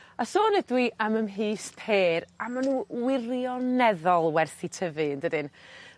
a sôn ydw i am 'ym mhys pêr a ma' n'w wirioneddol werth 'i tyfu yndydyn?